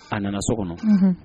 A nana so kɔnɔ